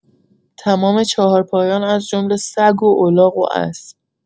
تمام چهارپایان از جمله سگ و الاغ و اسب